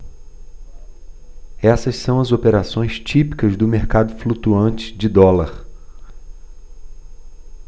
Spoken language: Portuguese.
essas são as operações típicas do mercado flutuante de dólar